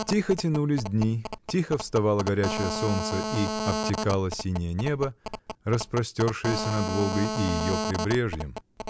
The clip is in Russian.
Тихо тянулись дни, тихо вставало горячее солнце и обтекало синее небо, распростершееся над Волгой и ее прибрежьем.